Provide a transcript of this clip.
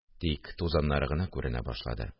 Тик тузаннары гына күренә башлады